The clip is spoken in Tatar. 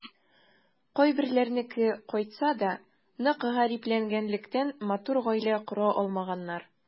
Кайберләренеке кайтса да, нык гарипләнгәнлектән, матур гаилә кора алмаганнар.